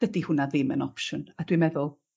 dydi hwnna ddim yn opsiwn a dwi meddwl